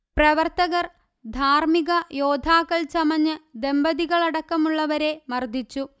പ്രവർത്തകർ ധാർമിക യോദ്ധാക്കൾ ചമഞ്ഞ് ദമ്പതികളടക്കമുള്ളവരെ മർദിച്ചു